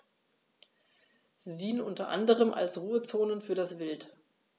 Sie dienen unter anderem als Ruhezonen für das Wild.